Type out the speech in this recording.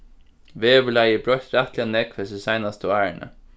veðurlagið er broytt rættiliga nógv hesi seinastu árini